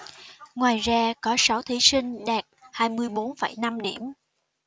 ngoài ra có sáu thí sinh đạt hai mươi bốn phẩy năm điểm